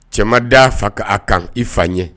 Cɛ ma d'a fa kan a kan i fa ɲɛ.